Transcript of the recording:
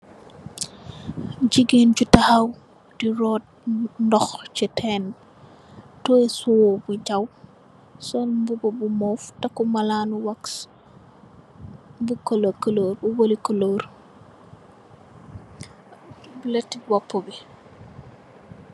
Jigeen ju takhaw di rot ndox ci teen teyeh siwoo bu jaw, sol mbobu bu move, sol malani wax bu color color bu bari color, lettu bopu bi.